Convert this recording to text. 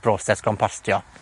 broses gompostio.